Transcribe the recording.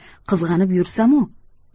qizg'anib yursamu